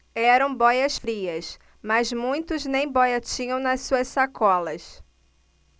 eram bóias-frias mas muitos nem bóia tinham nas suas sacolas